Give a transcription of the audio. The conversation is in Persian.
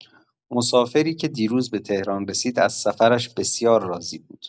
مسافری که دیروز به تهران رسید، از سفرش بسیار راضی بود.